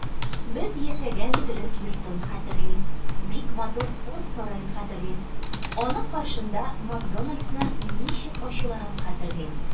Без яшәгән төрек йортын хәтерлим, бик матур спорт сараен хәтерлим, аның каршында "Макдоналдс"ны ничек ачуларын хәтерлим.